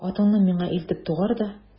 Атыңны миңа илтеп тугар да...